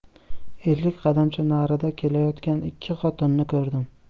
ellik qadamcha narida kelayotgan ikki xotinni ko'rdim